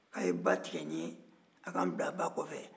aw ye ba tigɛ ni n ye aw ka n bila ba kɔfɛ